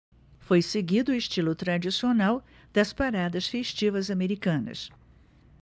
foi seguido o estilo tradicional das paradas festivas americanas